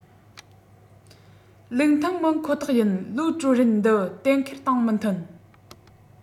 ལུགས མཐུན མིན ཁོ ཐག ཡིན ལི ཀྲུའུ རེན འདི གཏན འཁེལ དང མི མཐུན